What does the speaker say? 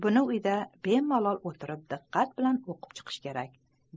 buni uyda bemalol o'tirib diqqat bilan o'qib chiqish kerak